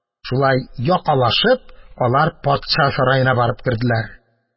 Шулай якалашып, алар патша сараена барып керделәр.